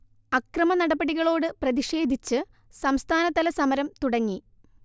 അക്രമനടപടികളോട് പ്രതിക്ഷേധിച്ച് സംസ്ഥാനതല സമരം തുടങ്ങി